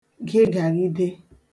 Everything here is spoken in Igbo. gịgàghide